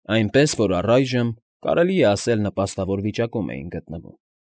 Այնպես որ առայժմ, կարելի է ասել, նպաստավոր վիճակում էին գտնվում։